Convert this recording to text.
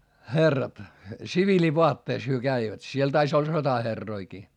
herrat siviilivaatteissa he kävivät siellä taisi olla sotaherrojakin